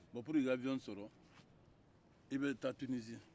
bon walasa i ka awiyɔn sɔrɔ i bɛ taa tunizi